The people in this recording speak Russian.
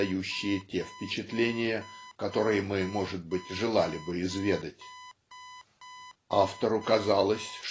дающие те впечатления, которые мы, может быть, желали бы изведать. Автору казалось